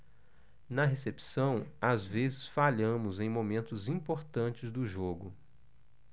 na recepção às vezes falhamos em momentos importantes do jogo